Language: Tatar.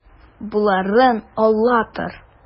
Боларын ала тор.